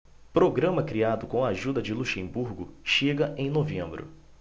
programa criado com a ajuda de luxemburgo chega em novembro